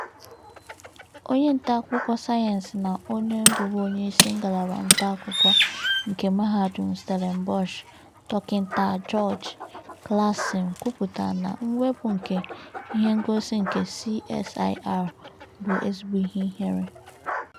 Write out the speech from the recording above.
Onye ntaakụkọ sayensị na onye bụbu onyeisi ngalaba ntaakụkọ nke Mahadum Stellenbosch, Dr George Claassen kwuputara na mwepụ nke ihengosị nke CSIR bụ “ezigbo ihe ihere”.